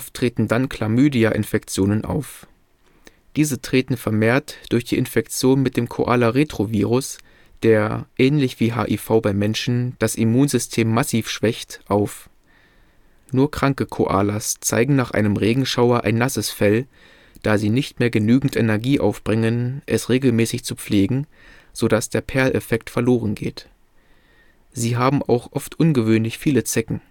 treten dann Chlamydia-Infektionen auf. Diese treten vermehrt durch die Infektion mit dem Koala-Retrovirus, der, ähnlich wie HIV beim Menschen, das Immunsystem massiv schwächt, auf. Nur kranke Koalas zeigen nach einem Regenschauer ein nasses Fell, da sie nicht mehr genügend Energie aufbringen es regelmäßig zu pflegen, so dass der Perleffekt verloren geht. Sie haben auch oft ungewöhnlich viele Zecken